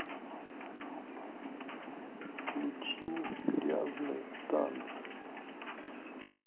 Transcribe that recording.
включи грязные танцы